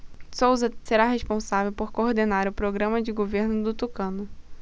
souza será responsável por coordenar o programa de governo do tucano